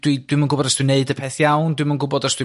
dw- dwi'm yn gw'bod os dwi'n 'neud y peth iawn dwi'm yn gw'bod os dwi'n